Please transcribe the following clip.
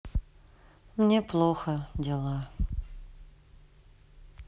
мне плохо дела